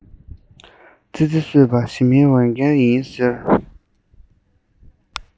ཙི ཙི གསོད པ ཞི མིའི འོས འགན ཡིན ཟེར